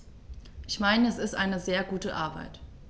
Ich meine, es ist eine sehr gute Arbeit.